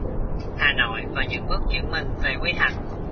hà nội và những bước chuyển mình về quy hoạch